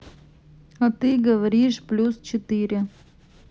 а ты говоришь плюс четыре